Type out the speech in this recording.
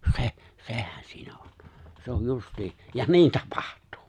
se sehän siinä on se on justiin ja niin tapahtuu